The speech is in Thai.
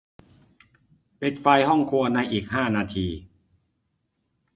ปิดไฟห้องครัวในอีกห้านาที